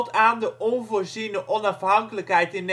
aan de (onvoorziene) onafhankelijkheid in